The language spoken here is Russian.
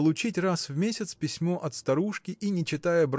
получить раз в месяц письмо от старушки и не читая